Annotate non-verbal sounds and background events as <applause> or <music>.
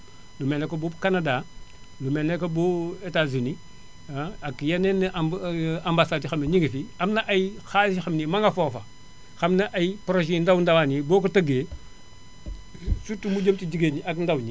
lu mel ne que bu Canada lu mel ne que bu bu <hesitation> Etats Unis <hesitation> ak yeneen amba <hesitation> ambassades yoo xam ne ñu ngi fi am na ay xaalis yoo xam ne ma nga foofa xam ne ay projets yu ndaw ndawaan yi boo ko tëggee surtout mu jëm <blows air> si jigéen ñi ak ndaw ñi